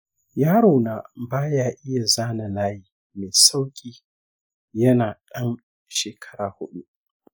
yarona ba ya iya zana layi mai sauƙi yana ɗan shekara huɗu.